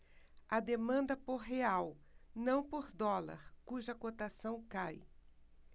há demanda por real não por dólar cuja cotação cai